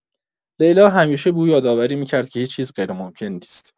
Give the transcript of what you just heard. لیلا همیشه به او یادآوری می‌کرد که هیچ‌چیز غیرممکن نیست.